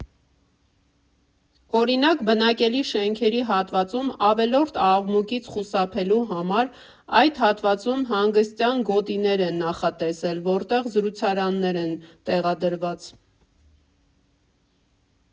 Օրինակ՝ բնակելի շենքերի հատվածում ավելորդ աղմուկից խուսափելու համար, այդ հատվածում հանգստյան գոտիներ են նախատեսել, որտեղ զրուցարաններ են տեղադրված։